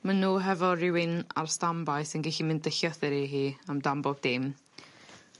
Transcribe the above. ma' n'w hefo rywun ar standby sy'n gellu mynd â llythyr i hi amdan bob dim